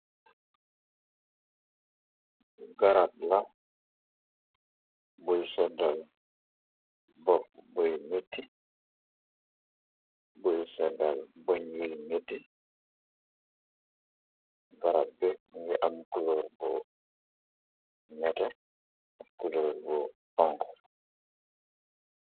Garata buy soddal bopp buy ñuti buy sëddal buñ wil ñuti garat bi ngi am kulo bu ñete ak kuler bu xong.